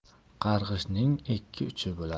qarg'ishning ikki uchi bo'lar